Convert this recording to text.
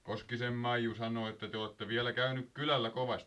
Koskisen Maiju sanoi että te olette vielä käynyt kylällä kovasti